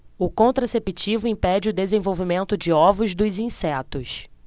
o contraceptivo impede o desenvolvimento de ovos dos insetos